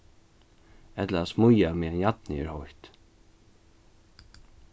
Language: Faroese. ella at smíða meðan jarnið er heitt